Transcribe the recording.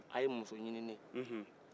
a ye muso ɲinin ne ye